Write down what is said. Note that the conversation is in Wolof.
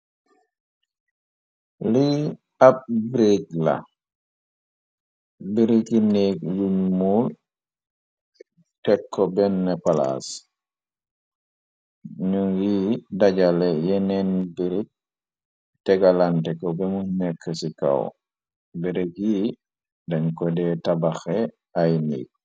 Li ab brig la birigi neeg yuñ muul tek ko benne palaas ñu ngi dajale yeneen birig tegalante ko bemu nekk ci kaw birig yi dañ ko dee tabaxe ay neeg.